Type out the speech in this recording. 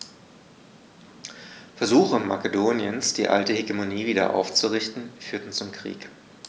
Versuche Makedoniens, die alte Hegemonie wieder aufzurichten, führten zum Krieg.